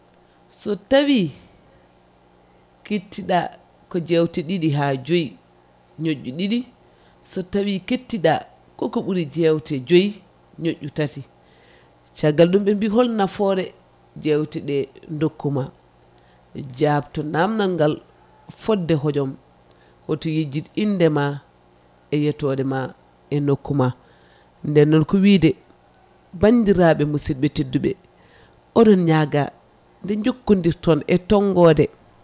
so tawi kettiɗa ko jewte ɗiɗi ha jooyi ñoƴƴu ɗiɗi so tawi kettiɗa koko ɓuuri jewte joyyi ñoƴƴu tati caggal ɗum ɓe mbi hol nafoore jewteɗe dokkuma jabto namdal ngal fodde hojom hoto yejjid indema e yettode ma e nokku ma nden noon ko wiide bandiraɓe musibɓe tedduɓe oɗon ñaaga nde jokkodirton e tonggode